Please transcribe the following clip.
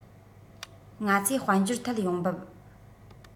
ང ཚོས དཔལ འབྱོར ཐད ཡོང འབབ